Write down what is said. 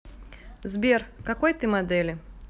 сбер какой ты модели